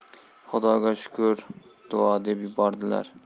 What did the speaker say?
xudoga shukr duo deb yubordilar